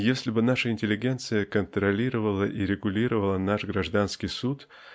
если бы наша интеллигенция контролировала и регулировала наш гражданский суд